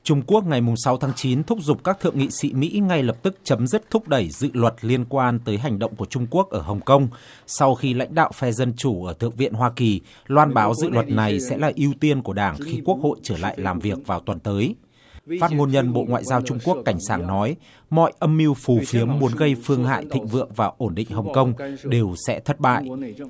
trung quốc ngày mùng sáu tháng chín thúc giục các thượng nghị sĩ mỹ ngay lập tức chấm dứt thúc đẩy dự luật liên quan tới hành động của trung quốc ở hồng công sau khi lãnh đạo phe dân chủ ở thượng viện hoa kỳ loan báo dự luật này sẽ là ưu tiên của đảng khi quốc hội trở lại làm việc vào tuần tới phát ngôn nhân bộ ngoại giao trung quốc cảnh sảng nói mọi âm mưu phù phiếm muốn gây phương hại thịnh vượng và ổn định hồng công đều sẽ thất bại